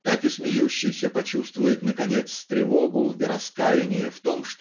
так и смеющийся почувствует наконец тревогу и раскаяние в том